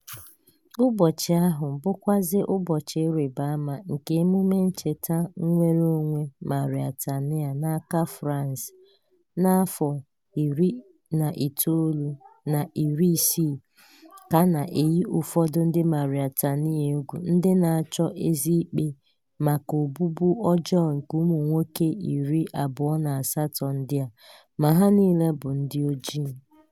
Ụbọchị ahụ, bụkwazị ụbọchị iribaama nke emume ncheta nnwereonwe Mauritania n'aka France na 1960, ka na-eyi ụfọdị ndị Mauritania egwu ndị na-achọ ezi ikpe maka ogbugbu ọjọọ nke ụmụnwoke 28 ndị a, ma ha niile bụ ndị oji.